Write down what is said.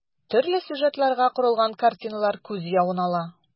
Төрле сюжетларга корылган картиналар күз явын ала.